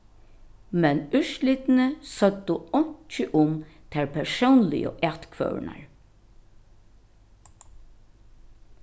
men úrslitini søgdu einki um tær persónligu atkvøðurnar